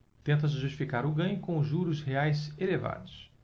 tenta-se justificar o ganho com os juros reais elevados